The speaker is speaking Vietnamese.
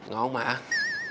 ngon mà